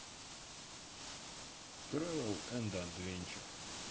тревел энд адвенча